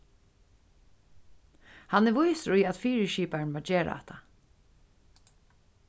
hann er vísur í at fyriskiparin má gera hatta